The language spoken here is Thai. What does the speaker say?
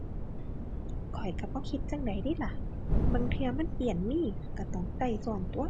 ข้อยก็บ่คิดจั่งใดเดะล่ะ บางเทื่อมันเปื้อนมือ ก็ต้องก็ก็ตั่ว